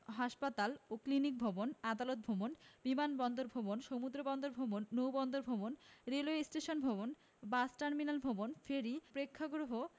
হাসপাতাল ও ক্লিনিক ভবন আদালত ভবন বিমানবন্দর ভবন সমুদ্র বন্দর ভবন নৌ বন্দর ভবন রেলওয়ে স্টেশন ভবন বাস টার্মিনাল ভবন ফেরি প্রেক্ষাগ্রহ